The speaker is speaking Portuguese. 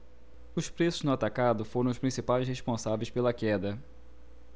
os preços no atacado foram os principais responsáveis pela queda